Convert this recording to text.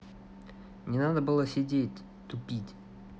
не надо было сидеть тупить